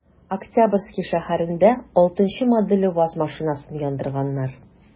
Октябрьский шәһәрендә 6 нчы модельле ваз машинасын яндырганнар.